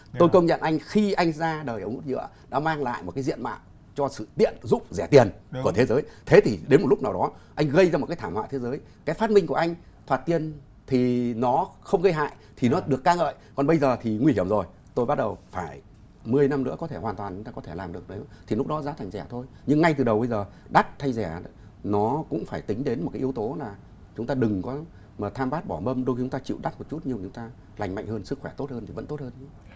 tôi công nhận anh khi anh ra đời ống hút nhựa đã mang lại một cái diện mạo cho sự tiện dụng rẻ tiền của thế giới thế thì đến một lúc nào đó anh gây ra một cách thảm họa thế giới cái phát minh của anh thoạt tiên thì nó không gây hại thì nó được ca ngợi còn bây giờ thì nguy hiểm rồi tôi bắt đầu phải mười năm nữa có thể hoàn toàn có thể làm được đấy thì lúc đó giá thành rẻ thôi nhưng ngay từ đầu bây giờ đắt hay rẻ nó cũng phải tính đến yếu tố là chúng ta đừng có mà tham bát bỏ mâm do chúng ta chịu đắt một chút nhiều người ta lành mạnh hơn sức khỏe tốt hơn thì vẫn tốt hơn